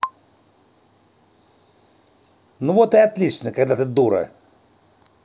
ну вот и отлично тогда ты дура